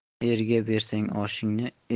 erga bersang oshingni